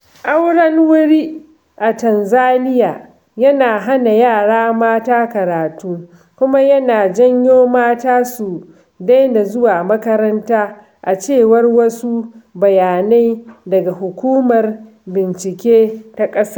Auren wuri a Tanzaniya yana hana yara mata karatu kuma yana janyo mata su daina zuwa makaranta, a cewar wasu bayanai daga Hukumar Bincike ta ƙasar.